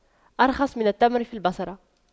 أرخص من التمر في البصرة